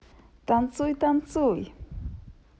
танцуй танцуй